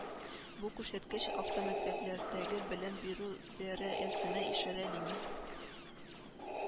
Бу күрсәткеч автомәктәпләрдәге белем бирү дәрә әсенә ишарәлиме